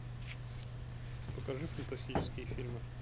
покажи фантастические фильмы